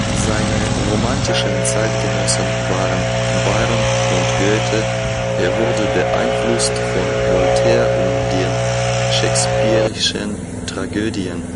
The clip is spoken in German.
Seine romantischen Zeitgenossen waren Byron und Goethe; er wurde beeinflusst von Voltaire und den Shakespeare'schen Tragödien